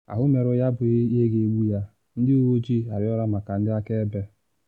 Ahụ mmerụ ya abụghị ihe ga-egbu ya, ndị uwe ojii arịọla maka ndị akaebe.